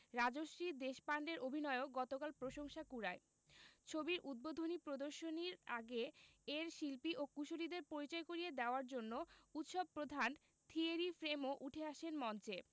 রাজশ্রী দেশপান্ডের অভিনয়ও গতকাল প্রশংসা কুড়ায় ছবির উদ্বোধনী প্রদর্শনীর আগে এর শিল্পী ও কুশলীদের পরিচয় করিয়ে দেওয়ার জন্য উৎসব প্রধান থিয়েরি ফ্রেমো উঠে আসেন মঞ্চে